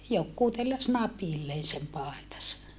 joku telläsi napilleen sen paitansa